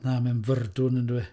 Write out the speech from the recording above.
Na, mae e'n fyrdwn, yn dyw e.